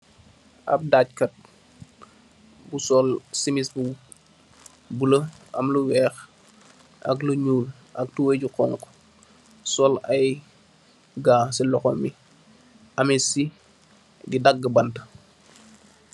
Ap taj kat bu sul simish bu am lu bulah ak lu wekh ak lu nyull ak tubey bu xhong khuh